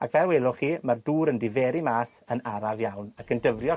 a fel welwch chi, ma'r dŵr yn diferu mas yn araf iawn, ac yn dyfrio'r